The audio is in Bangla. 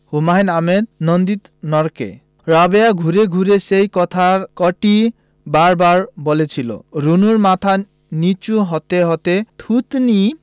হুমায়ুন আহমেদ নন্দিত নরকে রাবেয়া ঘুরে ঘুরে সেই কথা কটিই বার বার বলছিলো রুনুর মাথা নীচু হতে হতে থুতনি